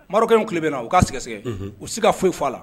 Marocain kulo bɛ na u ka sɛgɛ sɛgɛ u tɛ se ka foyi fɔ.